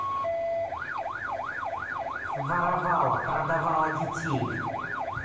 воровала продавала детей